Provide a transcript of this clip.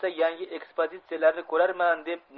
yangi ekspozitsiyalarni ko'rarman deb